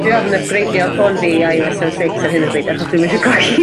dwi ofn ypgradio ffôn fi i eye oh es o six ar hyn o bryd achos dwi'm isio colli